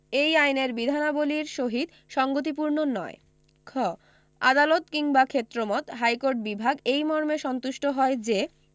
এই আইনের বিধানাবলীর সহিত সংগতিপূর্ণ নয় খ আদালত কিংবা ক্ষেত্রমত হাইকোর্ট বিভাগ এই মর্মে সন্তুষ্ট হয় যে